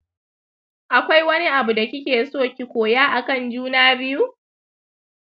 akwai wani abu da kikeso ki koya akan juna biyu?